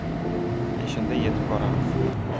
peshinda yetib boramiz